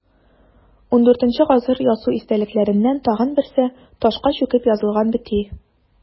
ХIV гасыр язу истәлекләреннән тагын берсе – ташка чүкеп язылган бөти.